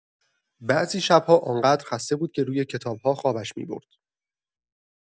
بعضی شب‌ها آن‌قدر خسته بود که روی کتاب‌ها خوابش می‌برد.